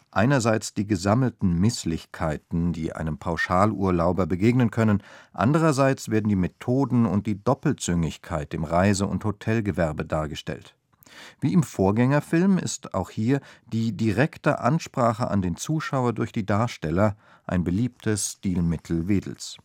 einerseits die gesammelten Mißlichkeiten, die einem Pauschalurlauber begegnen können, andererseits werden die Methoden und die Doppelzüngigkeit im Reise - und Hotelgewerbe dargestellt. Wie im Vorgängerfilm ist auch hier die direkte Ansprache an den Zuschauer durch die Darsteller ein beliebtes Stilmittel Wedels